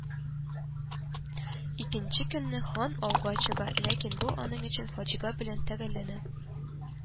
Икенче көнне хан ауга чыга, ләкин бу аның өчен фаҗига белән төгәлләнә